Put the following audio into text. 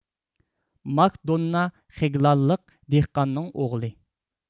ماك دوننا خىگلانلىق دېھقاننىڭ ئوغلى